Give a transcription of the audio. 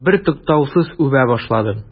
Бертуктаусыз үбә башладың.